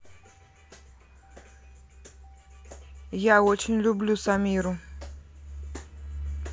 я очень люблю самиру